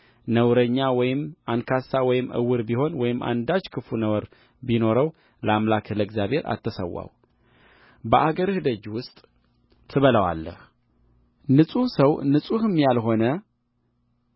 ነውረኛ ወይም አንካሳ ወይም ዕውር ቢሆን ወይም አንዳች ክፉ ነውር ቢኖረው ለአምላክህ ለእግዚአብሔር አትሠዋው በአገርህ ደጅ ውስጥ ትበላዋለህ ንጹሕ ሰው ንጹሕም ያልሆነ